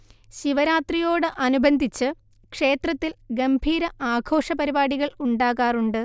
ശിവരാത്രിയോടനുബന്ധിച്ച് ക്ഷേത്രത്തിൽ ഗംഭീര ആഘോഷപരിപാടികൾ ഉണ്ടാകാറുണ്ട്